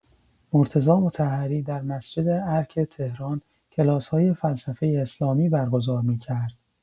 مرتضی مطهری در مسجد ارک تهران کلاس‌های فلسفه اسلامی برگزار می‌کرد.